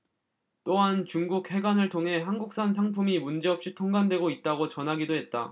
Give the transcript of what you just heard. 또한 중국 해관을 통해 한국산 상품이 문제없이 통관되고 있다고 전하기도 했다